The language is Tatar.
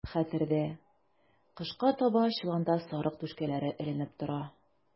Хәтердә, кышка таба чоланда сарык түшкәләре эленеп тора.